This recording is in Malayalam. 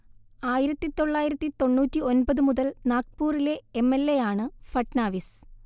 ആയിരത്തി തൊള്ളായിരത്തി തൊണ്ണൂറ്റി ഒൻപത് മുതൽ നാഗ്പൂറിലെ എം എൽ എ ആണ് ഫട്നാവിസ്